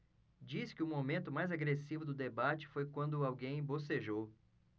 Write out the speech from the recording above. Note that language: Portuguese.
diz que o momento mais agressivo do debate foi quando alguém bocejou